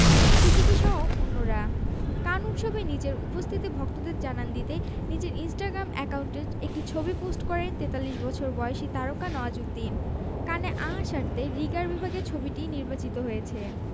চুগতাইয়ের চরিত্রে রাজশ্রী দেশপান্ডের অভিনয়ও গতকাল প্রশংসা কুড়ায় ছবির উদ্বোধনী প্রদর্শনীর আগে এর শিল্পী ও কুশলীদের পরিচয় করিয়ে দেওয়ার জন্য উৎসব প্রধান থিয়েরি ফ্রেমো উঠে আসেন মঞ্চে